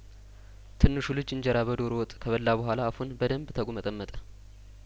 ትንሹ ልጅ እንጀራ በዶሮ ወጥ ከበላ በኋላ አፉን በደምብ ተጉመጠመጠ